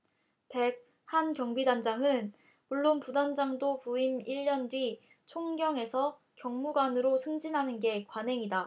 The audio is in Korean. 백 한 경비단장은 물론 부단장도 부임 일 년 뒤 총경에서 경무관으로 승진하는 게 관행이다